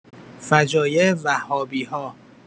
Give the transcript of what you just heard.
فجایع وهابی‌ها